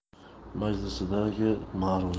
majlisidagi ma'ruza